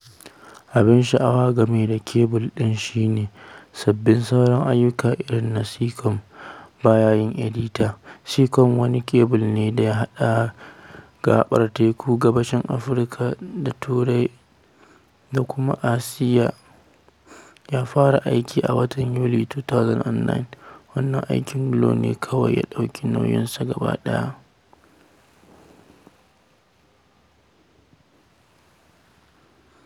Abin sha'awa game da kebul ɗin shi ne cewa, saɓanin sauran ayyuka irin na Seacom [Bayanin edita: Seacom, wani kebul da ya haɗa gaɓar tekun Gabashin Afirka da Turai da kuma Asiya, ya fara aiki a watan Yulin 2009], wannan aiki Glo ne kawai ya ɗauki nauyinsa gaba ɗaya.